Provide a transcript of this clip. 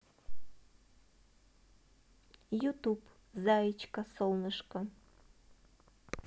ютуб заечка солнышко